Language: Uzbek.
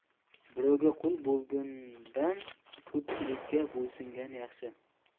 birovga qui bo'lgandan ko'pchilikka bo'ysungan yaxshi